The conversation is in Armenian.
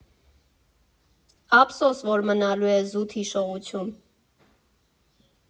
Ափսոս, որ մնալու է զուտ հիշողություն։